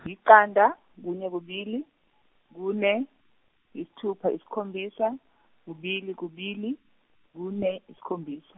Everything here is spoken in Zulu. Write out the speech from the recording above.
iqanda, kunye kubili, kune, isithupa isikhombisa, kubili kubili, kune, isikhombisa.